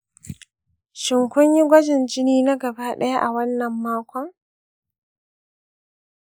shin kun yi gwajin jini na gabaɗaya a wannan makon?